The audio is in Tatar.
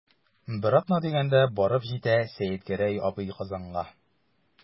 Бер атна дигәндә барып җитә Сәетгәрәй абый Казанга.